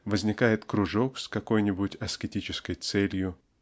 возникает кружок с какой-нибудь аскетической целью.